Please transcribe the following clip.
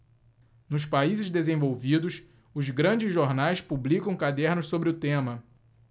nos países desenvolvidos os grandes jornais publicam cadernos sobre o tema